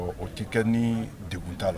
O o ti kɛ nii degun t'a la